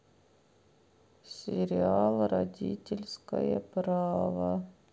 сериал родительское право